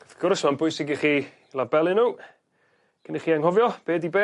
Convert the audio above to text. Wrth gwrs ma'n bwysig i chi labelu nhw cyn i chi anghofio be' 'di be'